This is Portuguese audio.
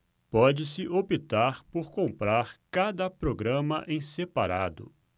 pode-se optar por comprar cada programa em separado